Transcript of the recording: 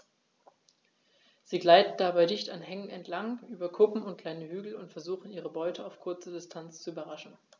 Sie gleiten dabei dicht an Hängen entlang, über Kuppen und kleine Hügel und versuchen ihre Beute auf kurze Distanz zu überraschen.